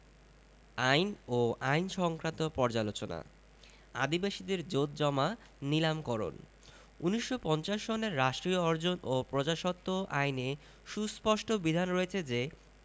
আইন ও আইন সংক্রান্ত পর্যালোচনা আদিবাসীদের জোতজমা নীলামকরণ ১৯৫০ সনের রাষ্ট্রীয় অর্জন ও প্রজাস্বত্ব আইনে সুস্পষ্ট বিধান রয়েছে যে